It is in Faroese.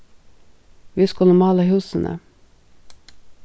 vit skulu mála húsini